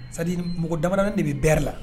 C'est àdire mɔgɔ damadamanin de bɛ beure la